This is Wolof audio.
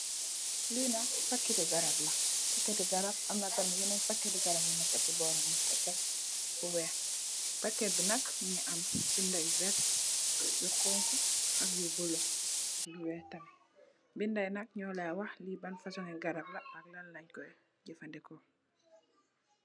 Li nak pakketi garab la, pakketi garab am na tamit yenen pakketi garab yu nek ci boram nung ko tek fu weeh. Pakket bi nag mungi am binda yu vert, yu honku ak yu bulo, yu weeh tamit. Binda yu nak nyo ley wah li ban fasung yi garab la ak Lan leen koy jafadeko.